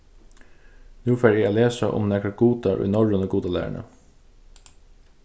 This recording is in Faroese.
nú fari eg at lesa um nakrar gudar í norrønu gudalæruni